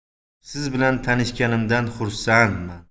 siz bilan tanishganimdan xursandman